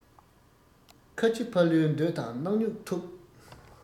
ཁ ཆེ ཕ ལུའི འདོད དང སྣག སྨྱུག ཐུག